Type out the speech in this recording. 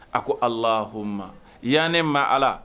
A ko alahɔnma yan ne ma ala